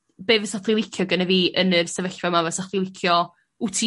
be' fasa chi licio gennyf fi yn yr sefyllfa 'ma fasach chdi licio wt ti